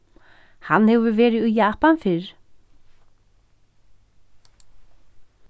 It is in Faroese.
hann hevur verið í japan fyrr